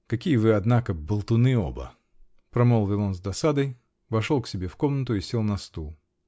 -- Какие вы, однако, болтуны оба!--- промолвил он с досадой, вошел к себе в комнату и сел на стул.